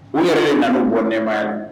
U yɛrɛ ye na bɔ nɛbaya ye